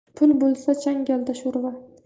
pul bo'lsa changalda sho'rva